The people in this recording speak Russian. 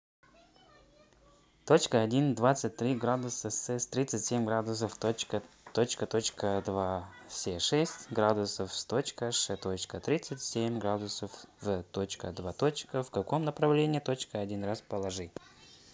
точка один двадцать три градуса сэс тридцать семь градусов в точка точка точка два все шесть градусов сточка ш точка тридцать семь градусов в точка два точка в каком направлении точка один раз положи